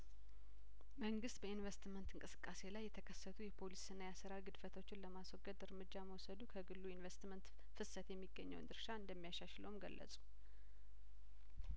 መንግስት በኢንቨስትመንት እንቅስቃሴ ላይየተከሰቱ የፖሊሲና የአሰራር ግድፈቶችን ለማስወገድ ርምጃ መውሰዱ ከግሉ ኢንቨስትመንት ፍሰት የሚገኘውን ድርሻ እንደሚያሻሽለውም ገለጹ